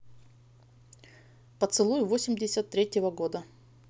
поцелуй восемьдесят третьего года